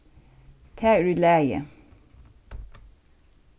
tað er í lagi